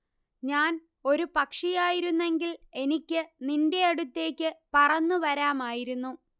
ഞാൻ ഒരു പക്ഷിയായിരുന്നെങ്കിൽ എനിക്ക് നിന്റെ അടുത്തേക്ക് പറന്നു വരാമായിരുന്നു